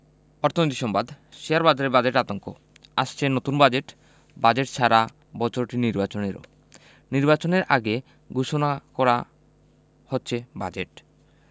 অর্থনীতি সংবাদ শেয়ারবাজারে বাজেট আতঙ্ক আসছে নতুন বাজেট বাজেট ছাড়া বছরটি নির্বাচনেরও নির্বাচনের আগে ঘোষণা করা হচ্ছে বাজেট